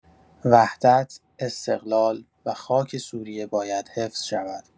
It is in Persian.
وحدت، استقلال و خاک سوریه باید حفظ شود.